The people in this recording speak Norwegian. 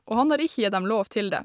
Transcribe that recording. Og han har ikke gitt dem lov til det.